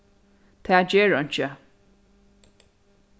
tað ger einki